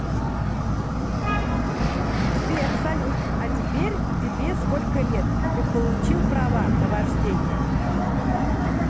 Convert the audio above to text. сбер салют а теперь тебе сколько лет ты получил права на вождение